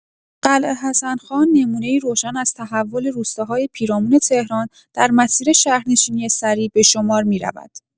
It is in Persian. قلعه حسن‌خان نمونه‌ای روشن از تحول روستاهای پیرامون تهران در مسیر شهرنشینی سریع به شمار می‌رود.